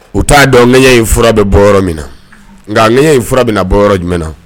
U t'a dɔn ŋɛɲɛ in fura be bɔ yɔrɔ min na ŋa ŋɛɲɛ in fura bena bɔ yɔrɔ jumɛn na